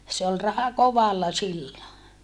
se oli raha kovalla silloin